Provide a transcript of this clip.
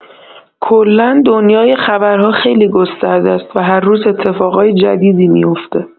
کلا دنیای خبرها خیلی گسترده‌ست و هر روز اتفاقای جدیدی میفته.